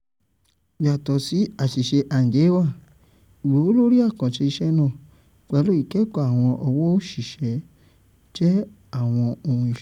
Yàtọ̀ sí àṣìṣe hádìwià, ìgbówólórí àkànṣe iṣẹ́ náà - pẹ̀lú ìkẹ́kọ̀ọ́ àwọn ọ̀wọ́ òṣìṣẹ -́ jẹ́ àwọn ohun ìṣòrò.